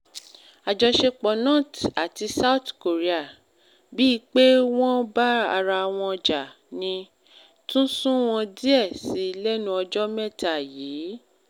Àjọṣẹpọ̀ North àti South Korea – bíi pé wọ́n ń bá ara wọn jà ni – tún sunwọ̀n díẹ̀ si lẹ́nu ọjọ́ mẹ́ta yìí.